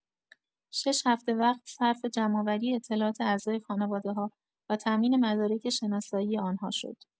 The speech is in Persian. شش هفته وقت صرف جمع‌آوری اطلاعات اعضای خانواده‌ها و تامین مدارک شناسایی آنها شد.